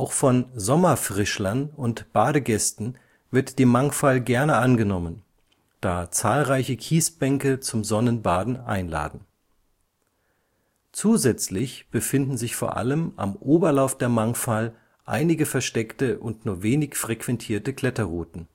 von „ Sommerfrischlern “und Badegästen wird die Mangfall gerne angenommen, da zahlreiche Kiesbänke zum Sonnenbaden einladen. Zusätzlich befinden sich vor allem am Oberlauf der Mangfall einige versteckte und nur wenig frequentierte Kletterrouten